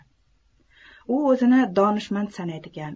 u o'zini donishmand sanaydigan